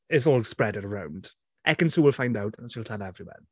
it's all spreaded around. Ekin-Su will find out, and she'll tell everyone.